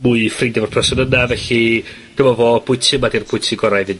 mwy ffrindia efo'r person yna, felly, dyma fo bwyty yma 'di'r bwyty gorau i fynd